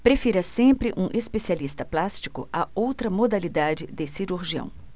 prefira sempre um especialista plástico a outra modalidade de cirurgião